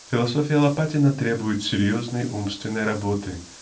Философия Лопатина требует серьезной умственной работы